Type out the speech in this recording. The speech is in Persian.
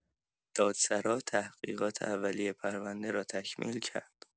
دادسرا تحقیقات اولیه پرونده را تکمیل کرد.